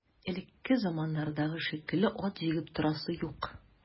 Элекке заманнардагы шикелле ат җигеп торасы юк.